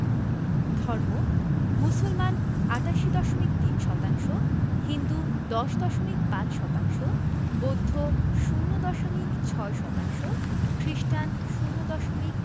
ধর্ম মুসলমান ৮৮দশমিক ৩ শতাংশ হিন্দু ১০দশমিক ৫ শতাংশ বৌদ্ধ ০ দশমিক ৬ শতাংশ খ্রিস্টান ০দশমিক